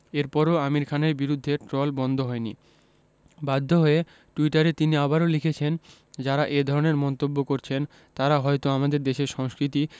এরপরও আমির খানের বিরুদ্ধে ট্রল বন্ধ হয়নি বাধ্য হয়ে টুইটারে তিনি আবারও লিখেছেন যাঁরা এ ধরনের মন্তব্য করছেন তাঁরা হয়তো আমাদের দেশের সংস্কৃতি